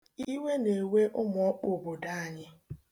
Iwe na-ewe ụmụọkpụ obodo anyị